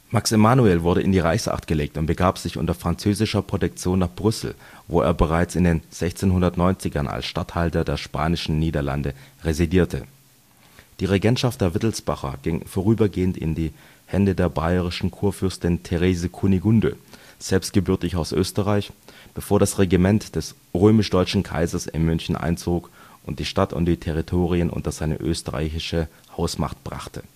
Max Emanuel wurde in die Reichsacht gelegt und begab sich unter französischer Protektion nach Brüssel, wo er bereits in den 1690ern als Statthalter der Spanischen Niederlande residierte. Die Regentschaft der Wittelsbacher ging vorübergehend in die Hände der bayerischen Kurfürstin Therese Kunigunde, selbst gebürtig aus Österreich, bevor das Regiment des römisch-deutschen Kaisers in München einzog und die Stadt und die Territorien unter seine österreichische Hausmacht brachte